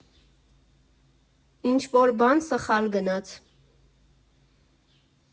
Ինչ֊որ բան սխալ գնաց։